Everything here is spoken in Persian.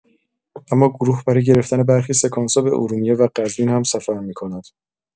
اما گروه برای گرفتن برخی سکانس‌ها به ارومیه و قزوین هم‌سفر می‌کند.